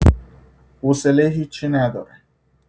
حوصلۀ هیچی ندارم